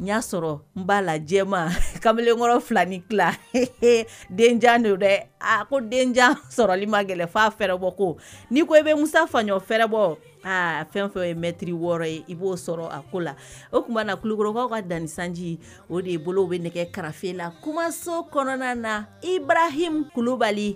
N y'a sɔrɔ n b'a lajɛjɛ ma kamalenkɔrɔ fila ni tila den a ko den sɔrɔli ma gɛlɛya fɛrɛbɔ ko ni ko i bɛ musa fa fɛrɛbɔ aa fɛn fɛ o ye mɛtiriri wɔɔrɔ ye i b'o sɔrɔ a ko la o tumaumana na kulukɔrɔ ka danisanji o de bolo bɛ nɛgɛ karafe la kumaso kɔnɔna na i bara hbali